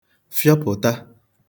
fịọpụta